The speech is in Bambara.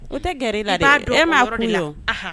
U tɛ g la maɔrɔn la